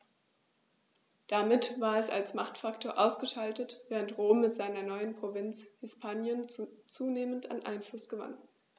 Damit war es als Machtfaktor ausgeschaltet, während Rom mit seiner neuen Provinz Hispanien zunehmend an Einfluss gewann.